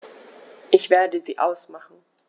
Ich werde sie ausmachen.